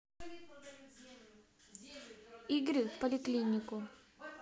игры в поликлинику